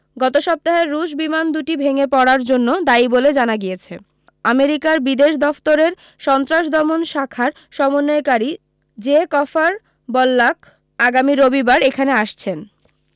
গত সপ্তাহের রুশ বিমান দু টি ভেঙে পড়ার জন্য দায়ী বলে জানা গিয়েছে আমেরিকার বিদেশ দফতরের সন্ত্রাস দমন শাখার সমন্বয়কারী জে কফার বল্যাক আগামী রবিবার এখানে আসছেন